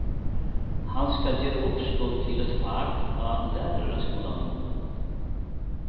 hann skal gera uppskot til eitt fak á læraraskúlanum